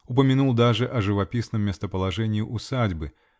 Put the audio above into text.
упомянул даже о живописном местоположении усадьбы